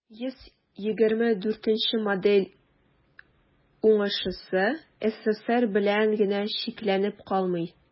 124 нче модель уңышы ссср белән генә чикләнеп калмый.